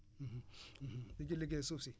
mun ci liggéey suuf si